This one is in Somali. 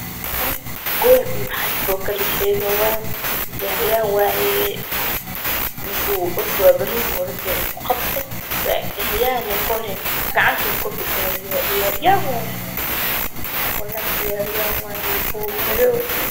Good iyo waxaas uu waxenoyaa Ciyaariyahan wayee ninka wuu ordooyaa banooni uu rapaa inuu qabto waa ciyariyahy nikaan gacantuu kor utagayaa ciyaariyahn wayee buuma madow